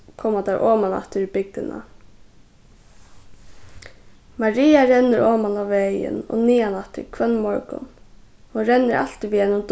koma teir oman aftur í bygdina maria rennur oman á vegin og niðan aftur hvønn morgun hon rennur altíð við einum